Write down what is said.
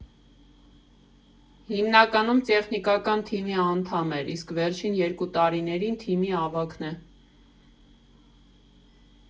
Հիմնականում տեխնիկական թիմի անդամ էր, իսկ վերջին երկու տարիներին թիմի ավագն է։